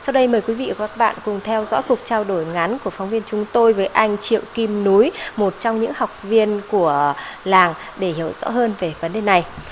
sau đây mời quý vị các bạn cùng theo dõi cuộc trao đổi ngắn của phóng viên chúng tôi với anh triệu kim núi một trong những học viên của làng để hiểu rõ hơn về vấn đề này